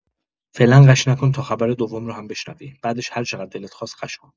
فعلا غش نکن تا خبر دوم رو هم بشنوی، بعدش هرچقدر دلت خواست غش کن.